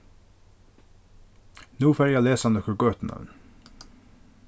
nú fari eg at lesa nøkur gøtunøvn